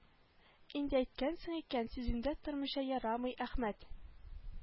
Инде әйткәнсең икән сүзеңдә тормыйча ярамый әхмәт